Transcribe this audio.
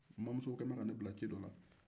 n bamuso kɛlen bɛ ka ne bila ci dɔ la